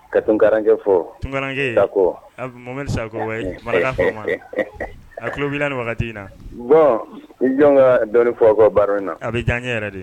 Ka tun garanrankɛ fɔ tunkarakarankɛ sakɔ mɔ sakɔ a tulolobi wagati in na bɔn i jɔn ka dɔn fɔ kɔ baara in na a bɛ jankɛ yɛrɛ de